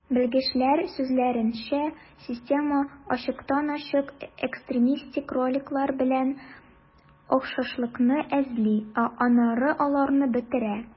Белгечләр сүзләренчә, система ачыктан-ачык экстремистик роликлар белән охшашлыкны эзли, ә аннары аларны бетерә.